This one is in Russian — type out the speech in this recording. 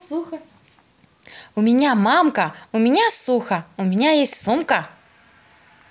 у меня мамка у меня сухо у меня есть сумка